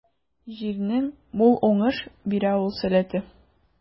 Җирнең мул уңыш бирә алу сәләте.